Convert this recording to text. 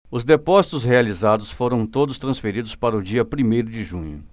os depósitos realizados foram todos transferidos para o dia primeiro de junho